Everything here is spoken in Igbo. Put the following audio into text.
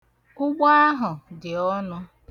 Ụgbọ ahụ dị ọnụ.